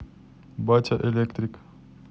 батя электрик